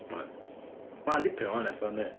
Oedd. Mae o'n dipyn o wahaniaeth yndy?